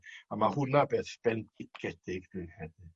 A ma' hwnna beth bendigedig dwi'n credu.